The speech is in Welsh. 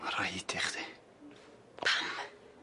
Ma' rhaid i chdi. Pam?